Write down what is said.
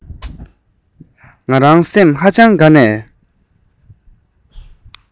ང རང སེམས ཧ ཅང དགའ ནས